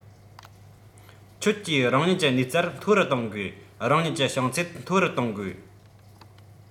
ཁྱོད ཀྱིས རང ཉིད ཀྱི ནུས རྩལ མཐོ རུ གཏོང དགོས རང ཉིད ཀྱི བྱང ཚད མཐོ རུ གཏོང དགོས